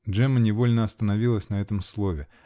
Джемма невольно остановилась на этом слове.